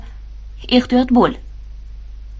ehtiyot bo'l